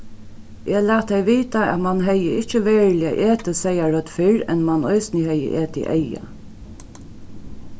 eg lat tey vita at mann hevði ikki veruliga etið seyðarhøvd fyrr enn mann eisini hevði etið eygað